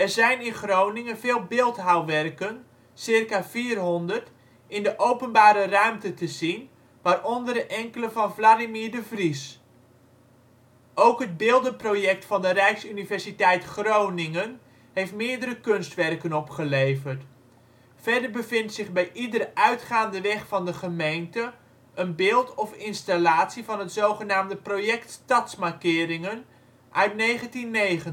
zijn in Groningen veel beeldhouwwerken (circa 400) in de openbare ruimte te zien waaronder enkele van Wladimir de Vries. Ook het beeldenproject van de Rijksuniversiteit Groningen heeft meerdere kunstwerken opgeleverd. Verder bevindt zich bij iedere uitgaande weg van de gemeente een beeld of installatie van het zogenaamde " project Stadsmarkeringen " uit 1990